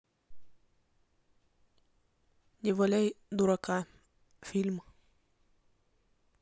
не валяй дурака фильм